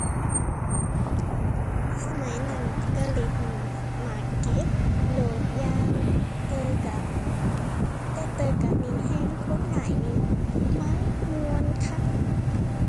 สมัยนั้นก็เล่นหมากเก็บ โดดยาง เตยกัก แต่เตยกักนี่แฮ่งคนหลายนี่มาม่วนคัก